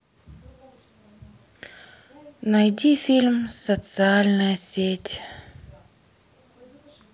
найди фильм социальная сеть